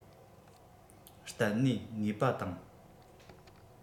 གཏད གནས ངེས པ དང